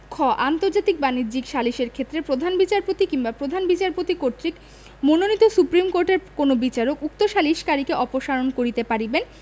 খ আন্তর্জাতিক বাণিজ্যিক সালিসের ক্ষেত্রে প্রধান বিচারপতি কিংবা প্রধান বিচারপতি কর্তৃক মনোনীত সুপ্রীমকোর্টের কোন বিচারক উক্ত সালিসকারীকে অপসারণ করিতে পারিবেন